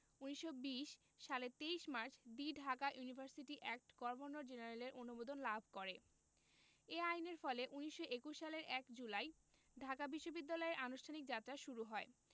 ১৯২০ সালের ২৩ March the Dhaka university act governor জেনারেলের অনুমোদন লাভ করে এ আইনের ফলে ১৯২১ সালের ১ জুলাই ঢাকা বিশ্ববিদ্যালয়ের আনুষ্ঠানিক যাত্রা শুরু হয়